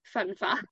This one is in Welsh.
Fun fact.